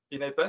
i wneud be?